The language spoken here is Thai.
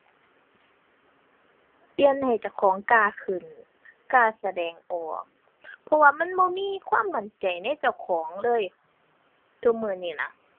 เปลี่ยนให้เจ้าของกล้าขึ้น กล้าแสดงออก เพราะว่ามันบ่มีความมั่นใจในเจ้าของเลย ซุมื้อนี้น่ะ